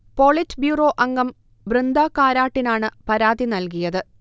politburo അംഗം ബൃന്ദാ കാരാട്ടിനാണ് പരാതി നൽകിയത്